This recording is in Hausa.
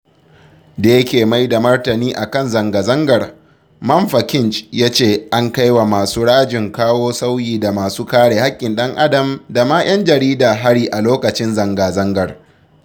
Da yake mai da martani a kan zangazangar, Mamfakinch ya ce, an kai wa masu rajin kawo sauyi da masu kare haƙƙin ɗan-adam da ma 'yan jarida hari a lokacin zangazangar.